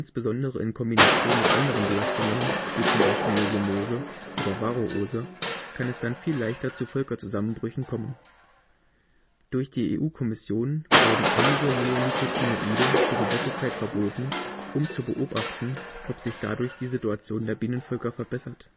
Insbesondere in Kombination mit anderen Belastungen wie z. B. Nosemose oder Varroose kann es dann viel leichter zu Völkerzusammenbrüchen kommen. Durch die EU-Kommission wurden einige Neonicotinoide für gewisse Zeit verboten, um zu beobachten, ob sich dadurch die Situation der Bienenvölker verbessert